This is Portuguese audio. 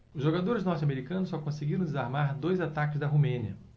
os jogadores norte-americanos só conseguiram desarmar dois ataques da romênia